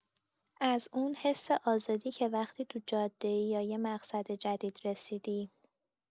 از اون حس آزادی که وقتی تو جاده‌ای یا یه مقصد جدید رسیدی.